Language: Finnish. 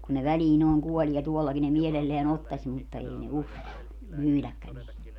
kun ne väliin noin kuolee tuollakin ne mielellään ottaisi mutta ei ne uskalla myydäkään ei